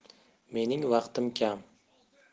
mening vaqtim kam